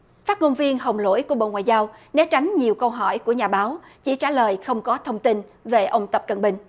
phát ngôn viên hồng lỗi của bộ ngoại giao né tránh nhiều câu hỏi của nhà báo chỉ trả lời không có thông tin về ông tập cận bình